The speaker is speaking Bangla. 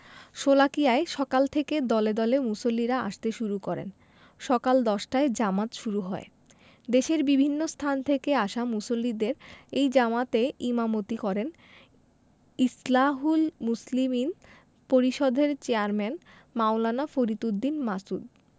শোলাকিয়ায় সকাল থেকে দলে দলে মুসল্লিরা আসতে শুরু করেন সকাল ১০টায় জামাত শুরু হয় দেশের বিভিন্ন স্থান থেকে আসা মুসল্লিদের এই জামাতে ইমামতি করেন ইসলাহুল মুসলিমিন পরিষদের চেয়ারম্যান মাওলানা ফরিদ উদ্দীন মাসউদ